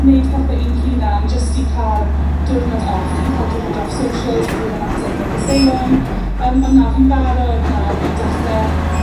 wneud pethe i'n hunan jyst i ca'l diwrnod off. Fi'n cael diwrnod off socials fi ddim yn ateb negeseuon. Yym on' na fi'n barod nawr i dechre